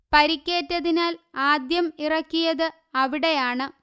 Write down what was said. പരിക്കേറ്റതിനാൽ ആദ്യം ഇറക്കിയത് അവിടെയാണ്